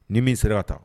Ni min sera ka taa